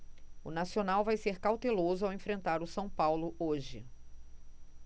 o nacional vai ser cauteloso ao enfrentar o são paulo hoje